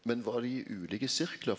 men var dei i ulike sirklar?